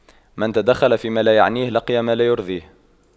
من تدخل فيما لا يعنيه لقي ما لا يرضيه